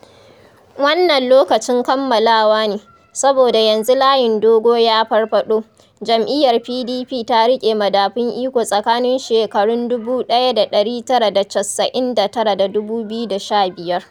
Wannan 'Lokacin Kammalawa ne' saboda yanzu layin dogo ya farfaɗo". Jam'iyyar PDP ta riƙe madafun iko tsakanin shekarun 1999 da 2015.